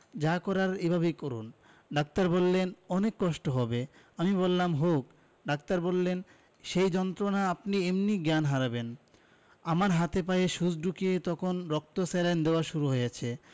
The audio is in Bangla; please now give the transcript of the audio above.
যা করার এভাবেই করুন ডাক্তার বললেন অনেক কষ্ট হবে আমি বললাম হোক ডাক্তার বললেন সেই যন্ত্রণায় আপনি এমনি জ্ঞান হারাবেন আমার হাতে পায়ে সুচ ঢুকিয়ে তখন রক্ত স্যালাইন দেওয়া শুরু হয়েছে